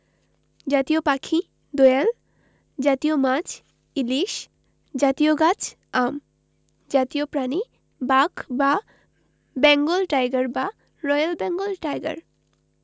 জাতীয় পাখিঃ দোয়েল জাতীয় মাছঃ ইলিশ জাতীয় গাছঃ আম জাতীয় প্রাণীঃ বাঘ বা বেঙ্গল টাইগার বা রয়েল বেঙ্গল টাইগার